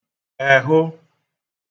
èhụ